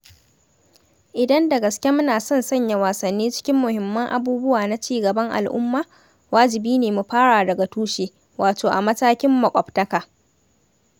Idan da gaske muna son sanya wasanni cikin muhimman abubuwa na cigaban al’umma, wajibi ne mu fara daga tushe, wato a matakin makwabta ka.